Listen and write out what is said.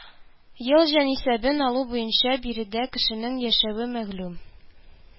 Ел җанисәбен алу буенча биредә кешенең яшәве мәгълүм